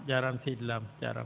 jaaraama seydi Lam jaaraama